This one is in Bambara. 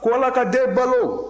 ko ala ka den balo